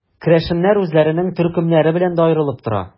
Керәшеннәр үзләренең төркемнәре белән дә аерылып тора.